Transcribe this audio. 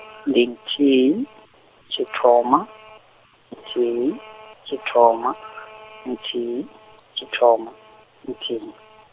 ndi nthihi, tshithoma, nthihi tshithoma, nthihi tshithoma, nthihi.